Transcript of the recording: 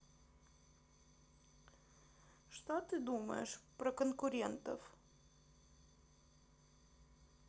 что ты думаешь про конкурентов